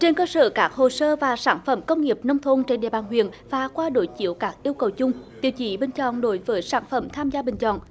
trên cơ sở các hồ sơ và sản phẩm công nghiệp nông thôn trên địa bàn huyện và qua đối chiếu các yêu cầu chung tiêu chí bên trong đối với sản phẩm tham gia bình chọn